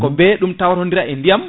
kobe ɗum tawtodiran e ndiyam